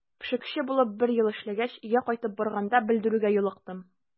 Пешекче булып бер ел эшләгәч, өйгә кайтып барганда белдерүгә юлыктым.